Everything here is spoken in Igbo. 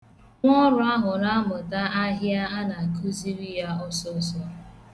Nwọọrụ ahụ na-amụta ahịa a na-akụziri ya ọsọsọ.